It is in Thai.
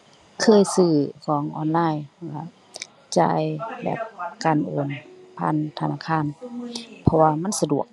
เคยซื้อของออนไลน์ อ่า จ่ายแบบการโอนผ่านธนาคาร เพราะว่ามันสะดวก